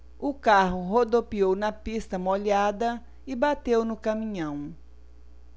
o carro rodopiou na pista molhada e bateu no caminhão